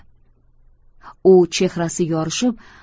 u chehrasi yorishib